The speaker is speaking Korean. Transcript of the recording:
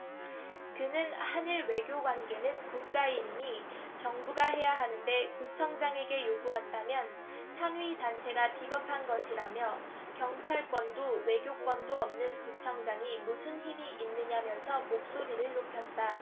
그는 한 일 외교관계는 국가일이니 정부가 해야하는데 구청장에게 요구한다면 상위 단체가 비겁한 것이라며 경찰권도 외교권도 없는 구청장이 무슨 힘이 있느냐면서 목소리를 높였다